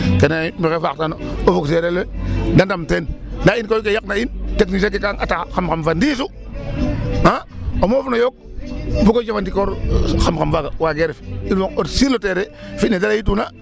Kene maxey faaxtan o fog seereer we da ndam ten ndaa in koy ke yaqna in technicien ke ga ataa xam xam fa riche u a o moof no yook bug o jefandikoor xam xam faaga waagee ref il faut que o ret sur le terrain fi' ne da laytuna.